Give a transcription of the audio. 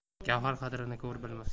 gavhar qadrini ko'r bilmas